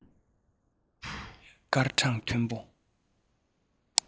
སྐར གྲངས མཐོན པོ